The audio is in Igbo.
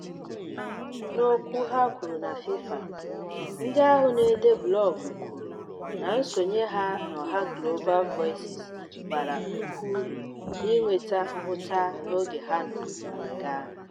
N'okwu ha kwuru na FIFA, ndị ahụ na-ede blọọgụ kwuru na nsonye ha n'ọha Global Voices bara nnukwu uru n'inweta nhụta n'oge ha nọ na nga.